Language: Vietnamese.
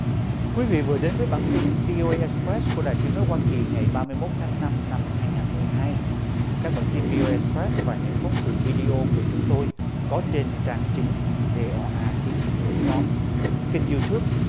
quý vị vừa đến với bản tin vi ô ây ích pét của đài tiếng nói hoa kỳ ngày ba mốt tháng năm năm hai ngàn mười hai các bản tin vi ô ây ích pét và những phóng sự vi đi ô của chúng tôi có trên trang chính vê ô a tiếng việt chấm com kênh diu túp